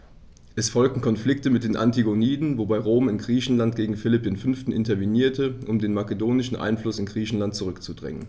Es folgten Konflikte mit den Antigoniden, wobei Rom in Griechenland gegen Philipp V. intervenierte, um den makedonischen Einfluss in Griechenland zurückzudrängen.